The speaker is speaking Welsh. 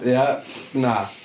Ia, na.